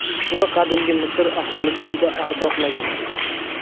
uni qadimgi misr aholisi juda ardoqlagan